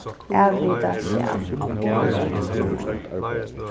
avrita skjal